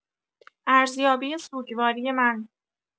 ارزیابی سوگواری من